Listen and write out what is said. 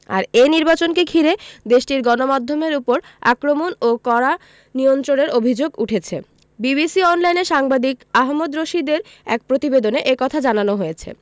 আর এই নির্বাচনকে ঘিরে দেশটির গণমাধ্যমের ওপর আক্রমণ ও কড়া নিয়ন্ত্রণের অভিযোগ উঠেছে বিবিসি অনলাইনে সাংবাদিক আহমেদ রশিদের এক প্রতিবেদনে এ কথা জানানো হয়েছে